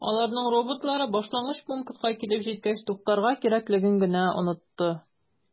Аларның роботлары башлангыч пунктка килеп җиткәч туктарга кирәклеген генә “онытты”.